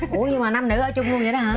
ủa nhưng mà nam nữ ở chung luôn vậy đó hả